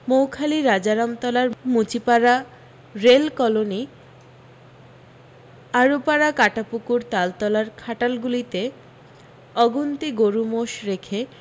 মৌখালি রামরাজাতলার Muchipara rail colony আড়ুপাড়া কাঁটাপুকুর তালতলার খাটালগুলিতে অগুন্তি গরু মোষ রেখে